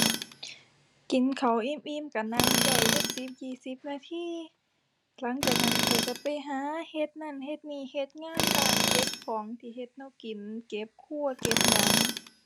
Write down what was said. กินข้าวอิ่มอิ่มก็นั่งย่อยจักสิบยี่สิบนาที หลังจากนั้นข้อยก็ไปหาเฮ็ดนั้นเฮ็ดนี้ เฮ็ดงานบ้าน เก็บของที่เฮ็ดแนวกิน เก็บครัว เก็บหยัง